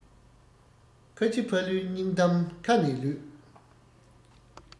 ཁ ཆེ ཕ ལུའི སྙིང གཏམ ཁ ནས ལུད